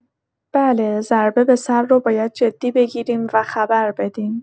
بله، ضربه به سر رو باید جدی بگیریم و خبر بدیم.